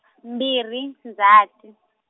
mbirhi Ndzhati.